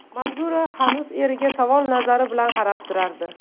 manzura hanuz eriga savol nazari bilan qarab turardi